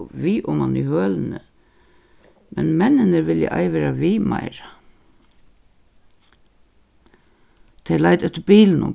við oman í hølini men menninir vilja ei vera við meira tey leita eftir bilinum